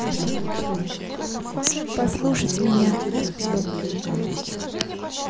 послушать меня